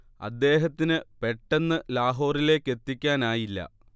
അദ്ദേഹത്തിന് പെട്ടെന്ന് ലാഹോറിലേക്കെത്തിക്കാനായില്ല